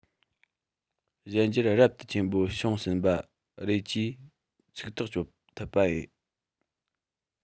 གཞན འགྱུར རབ ཏུ ཆེན པོ བྱུང ཟིན པ རེད ཅེས ཚིག ཐག གཅོད ཐུབ པ ཡིན